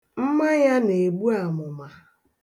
Mma ya na-egbu amụma.